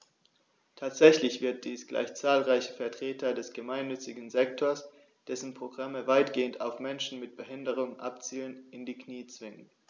Tatsächlich wird dies gleich zahlreiche Vertreter des gemeinnützigen Sektors - dessen Programme weitgehend auf Menschen mit Behinderung abzielen - in die Knie zwingen.